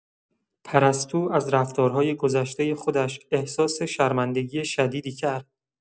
پرستو از رفتارهای گذشته خودش احساس شرمندگی شدیدی کرد.